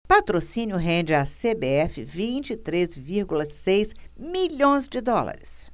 patrocínio rende à cbf vinte e três vírgula seis milhões de dólares